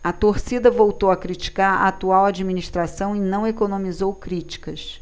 a torcida voltou a criticar a atual administração e não economizou críticas